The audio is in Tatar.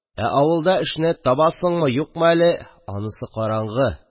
Ә авылда эшне табасыңмы, юкмы әле – анысы караңгы.